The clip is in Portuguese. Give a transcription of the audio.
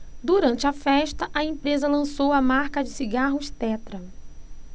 durante a festa a empresa lançou a marca de cigarros tetra